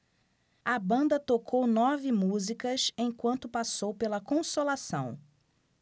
a banda tocou nove músicas enquanto passou pela consolação